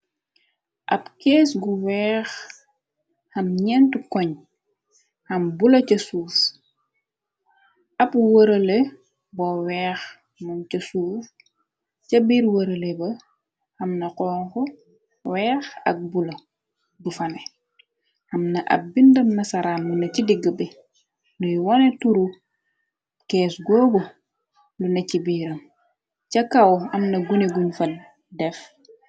Ab kees gu weex xam ñent koñ xam bula ca suuf ab wërale bo weex. Mum ca suuf ca biir wërale ba amna xonx weex ak bula. Bu fane amna ab bindam na saraam luna ci digg be luy wone turu kees góoba. Luna ci biiram ca kaw amna gune guñ fa def.